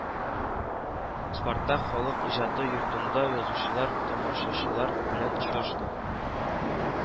Спартак халык иҗаты йортында язучылар тамашачылар белән очрашты